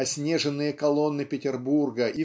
оснеженные колонны Петербурга